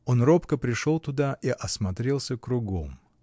Он робко пришел туда и осмотрелся кругом.